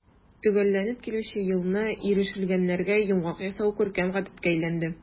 Төгәлләнеп килүче елны ирешелгәннәргә йомгак ясау күркәм гадәткә әйләнде.